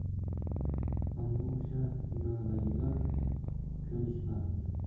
ammo o'sha idoradagilar ko'nishmabdi